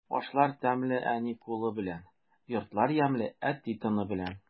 Ашлар тәмле әни кулы белән, йортлар ямьле әти тыны белән.